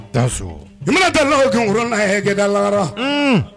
Jamana taa n la kaurun la hakɛda lara